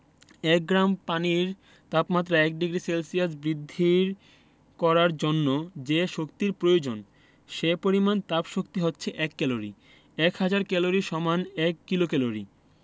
এক গ্রাম পানির তাপমাত্রা ১ ডিগ্রি সেলসিয়াস বৃদ্ধি করার জন্য যে শক্তির প্রয়োজন হয় সে পরিমাণ তাপশক্তি হচ্ছে এক ক্যালরি এক হাজার ক্যালরি সমান এক কিলোক্যালরি